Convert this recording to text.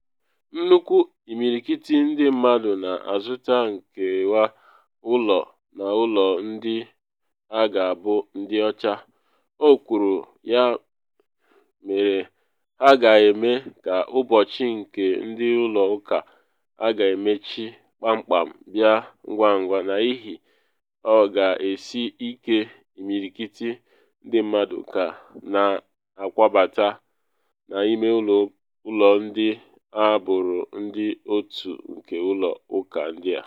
“Nnukwu imirikiti ndị mmadụ na azụta nkewa ụlọ n’ụlọ ndị a ga-abụ ndị ọcha, “o kwuru, “ya mere ha ga-eme ka ụbọchị nke ndị ụlọ ụka a ga-emechi kpamkpam bịa ngwangwa n’ihi ọ ga-esi ike imirikiti ndị mmadụ na akwabata n’ime ụlọ ndị a bụrụ ndị otu nke ụlọ ụka ndị a.”